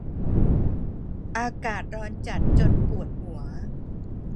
อากาศร้อนจัดจนปวดหัว